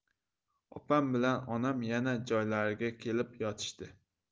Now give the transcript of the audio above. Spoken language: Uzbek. opam bilan onam yana joylariga kelib yotishdi